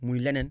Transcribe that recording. muy leneen